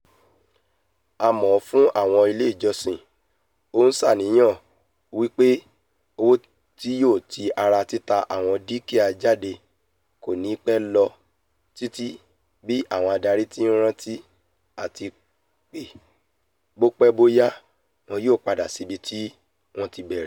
Àmọò fún àwọn ilé ìjọsìn, ó ńṣàníyàn wípé owó tí yóò ti ara títa àwọn dúkìá jáde kòní pẹ́ lọ títí bí àwọn adarí ti ńretí́, ''àtipé bópe bóyạ́́ wọn yóò padà sí'bi tí wọ́n ti bẹ̀rẹ̀.